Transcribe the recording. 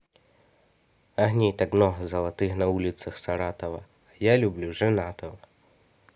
огней так много золотых на улицах саратова а я люблю женатого